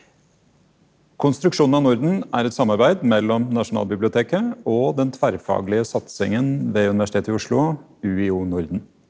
Konstruksjonen av Norden er et samarbeid mellom Nasjonalbiblioteket og den tverrfaglige satsingen ved Universitetet i Oslo UiO Norden.